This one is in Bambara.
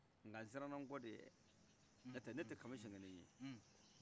nka siranna nkɔde ɲɛ nɔtɛ ne te kami sɛngɛne ye